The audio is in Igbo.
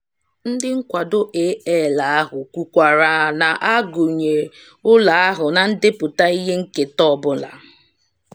Ndị nkwado AL ahụ kwukwara na a gụnyeghị ụlọ ahụ na ndepụta ihe nketa ọ bụla.